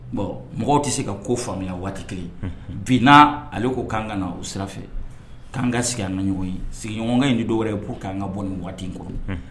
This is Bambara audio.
Bon mɔgɔw tɛ se ka ko faamuya waati kelen, unhun, bi n'ale ko k'an ka na o sira fɛ, k'an ka sigi an ka ɲɔgɔn ye sigiɲɔgɔn kan in tɛ dɔ wɛrɛ ye k'an ka bɔ nin waati in kɔnɔ.